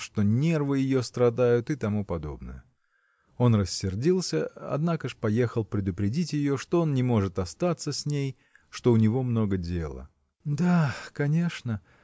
что нервы ее страдают и т.п. Он рассердился однако ж поехал предупредить ее что он не может остаться с ней что у него много дела. – Да, конечно